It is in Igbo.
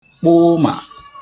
kpụ ụmà